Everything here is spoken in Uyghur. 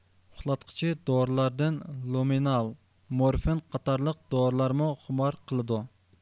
ئۇخلاتقۇچى دورىلاردىن لۇمىنال مورفىن قاتارلىق دورىلارمۇ خۇمار قىلىدۇ